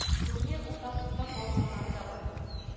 Турнир уртасында калганнары да бар